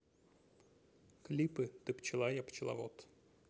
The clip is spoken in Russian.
клипы ты пчела я пчеловод